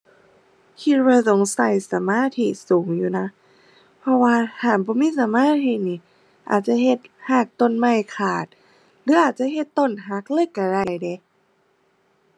คิดว่าต้องใช้สมาธิสูงอยู่นะ เพราะว่าถ้าบ่มีสมาธินี่อาจจะเฮ็ดใช้ต้นไม้ขาดหรืออาจจะเฮ็ดต้นหักเลยใช้ได้เดะ